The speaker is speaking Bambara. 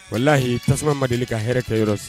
Wala lahi tasuma ma deli ka hɛrɛ kɛ yɔrɔ sigi